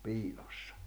piilossa